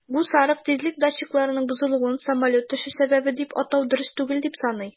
Гусаров тизлек датчикларының бозлануын самолет төшү сәбәбе дип атау дөрес түгел дип саный.